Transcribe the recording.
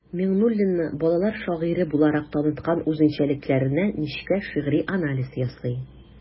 Миңнуллинны балалар шагыйре буларак таныткан үзенчәлекләренә нечкә шигъри анализ ясый.